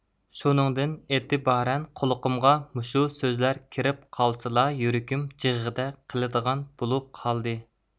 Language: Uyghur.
شۇنىڭدىن ئېتىبارەن قۇلىقىمغا مۇشۇ سۆزلەر كىرىپ قالسىلا يۈرىكىم جىغغىدە قىلىدىغان بولۇپ قالدى